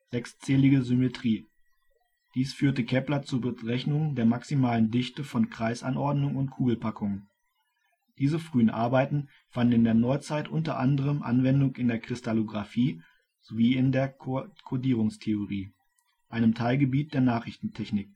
sechszählige Symmetrie). Dies führte Kepler zu Berechnungen der maximalen Dichte von Kreisanordnungen und Kugelpackungen. Diese frühen Arbeiten fanden in der Neuzeit unter anderem Anwendung in der Kristallographie sowie in der Kodierungstheorie, einem Teilgebiet der Nachrichtentechnik